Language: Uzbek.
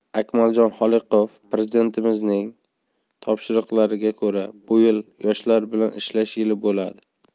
akmaljon xoliqovprezidentimizning topshiriqlariga ko'ra bu yil yoshlar bilan ishlash yili bo'ladi